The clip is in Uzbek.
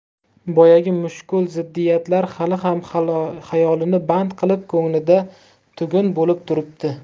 boyagi mushkul ziddiyatlar hali ham xayolini band qilib ko'nglida tugun bo'lib turibdi